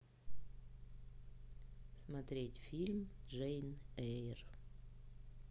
смотреть фильм джейн эйр